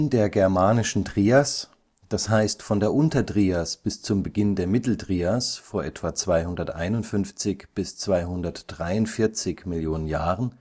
der Germanischen Trias, d. h. von der Untertrias bis zum Beginn der Mitteltrias (vor etwa 251 – 243 Millionen Jahren